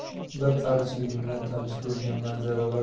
bir qarichligimdan tanish bo'lgan manzaralar